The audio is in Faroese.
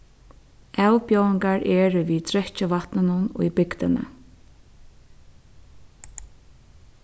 avbjóðingar eru við drekkivatninum í bygdini